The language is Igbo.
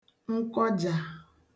nkọjà